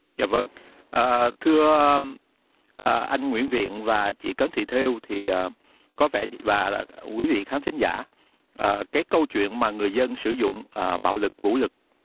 dạ vâng ờ thưa ờ ờ anh nguyễn viện và chị cấn thị thêu thì có vẻ và quý vị khán thính giả ờ cái câu chuyện mà người dân sử dụng bạo lực vũ lực